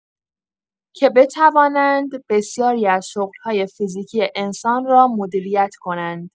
که بتوانند بسیاری از شغل‌های فیزیکی انسان را مدیریت کنند.